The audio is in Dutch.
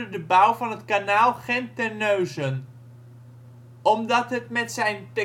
de bouw van het Kanaal Gent-Terneuzen), omdat het met zijn